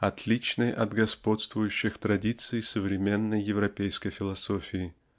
отличной от господствующих традиций современной европейской философии.